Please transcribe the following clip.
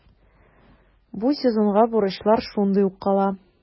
Бу сезонга бурычлар шундый ук кала.